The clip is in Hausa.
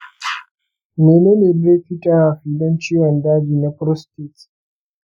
menene brachytherapy don ciwon daji na prostate?